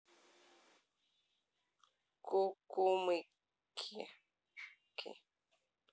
ку кумыки